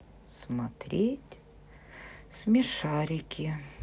смотреть смешарики